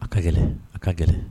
A ka gɛlɛn a ka gɛlɛn